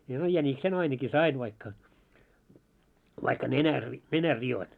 no jäniksen ainakin sain vaikka vaikka nenän - nenän rikoin